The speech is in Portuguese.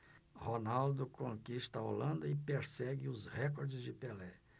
ronaldo conquista a holanda e persegue os recordes de pelé